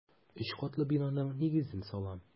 Өч катлы бинаның нигезен салам.